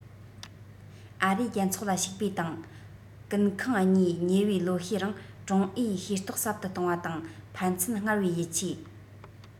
ཨ རིའི རྒྱལ ཚོགས ལ ཞུགས པའི དང ཀུན ཁང གཉིས ཉེ བའི ལོ ཤས རིང ཀྲུང ཨའི ཤེས རྟོགས ཟབ ཏུ གཏོང བ དང ཕན ཚུན སྔར བས ཡིད ཆེས